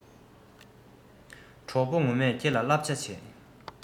གྲོགས པོ ངོ མས ཁྱེད ལ སླབ བྱ བྱེད